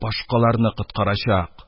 Башкаларны коткарачак!